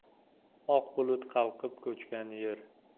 oq bulut qalqib ko'chgan yer